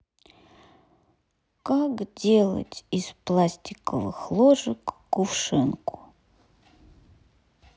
как делать из пластиковых ложек кувшинку